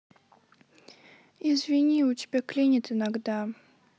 извини у тебя клинит иногда